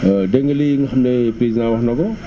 dégg nga lii nga xam ne président wax na ko